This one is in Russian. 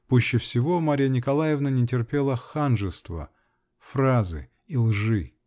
Пуще всего Марья Николаевна не терпела ханжества, фразы и лжи.